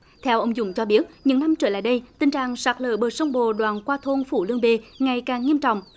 theo ông dũng cho biết những năm trở lại đây tình trạng sạt lở bờ sông bồ đoạn qua thôn phú lương bê ngày càng nghiêm trọng